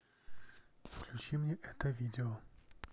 включи мне это видео